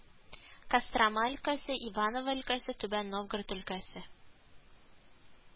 Кострома өлкәсе, Иваново өлкәсе, Түбән Новгород өлкәсе